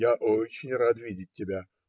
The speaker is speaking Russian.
Я очень рад видеть тебя.